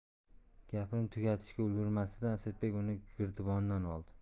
gapini tugatishga ulgurmasidan asadbek uni giribonidan oldi